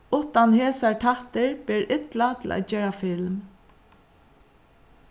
uttan hesar tættir ber illa til at gera film